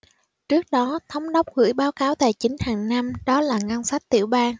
trước đó thống đốc gửi báo cáo tài chính hàng năm đó là ngân sách tiểu bang